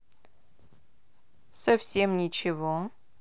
совсем ничего